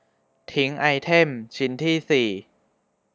ทิ้งไอเทมชิ้นที่สี่